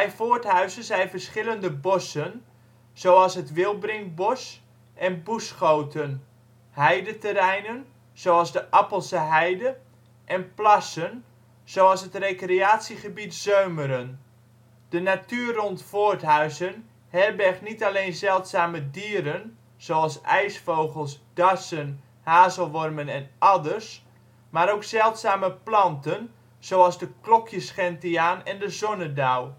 Voorthuizen zijn verschillende bossen, zoals het Wilbrinkbos en Boeschoten, heideterreinen, zoals de Appelse heide, en plassen, zoals het recreatiegebied Zeumeren. De natuur rond Voorthuizen herbergt niet alleen zeldzame dieren zoals ijsvogels, dassen, hazelwormen, en adders, maar ook zeldzame planten zoals de klokjesgentiaan en de zonnedauw